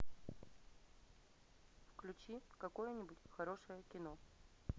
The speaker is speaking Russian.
включи какое нибудь хорошее кино